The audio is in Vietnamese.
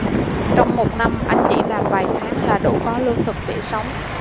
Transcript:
trong một năm anh chỉ làm vài tháng là đủ có lương thực để sống